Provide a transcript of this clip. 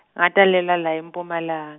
ngatalelwa la eMpumalang-.